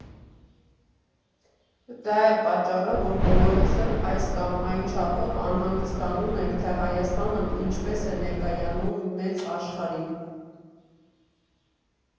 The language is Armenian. Դա է պատճառը, որ բոլորս էլ այս կամ այն չափով անհանգստանում ենք, թե Հայաստանն ինչպես է ներկայանում մեծ աշխարհին։